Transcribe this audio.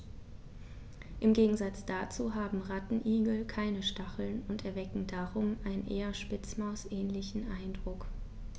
Im Gegensatz dazu haben Rattenigel keine Stacheln und erwecken darum einen eher Spitzmaus-ähnlichen Eindruck.